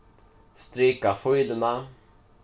strika fíluna